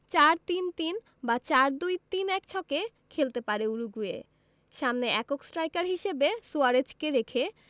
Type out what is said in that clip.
৪ ৩ ৩ বা ৪ ২ ৩ ১ ছকে খেলতে পারে উরুগুয়ে সামনে একক স্ট্রাইকার হিসেবে সুয়ারেজকে রেখে